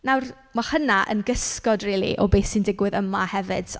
Nawr ma' hynna yn gysgod rili o beth sy'n digwydd yma hefyd.